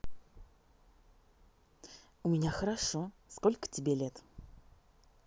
у меня хорошо сколько тебе лет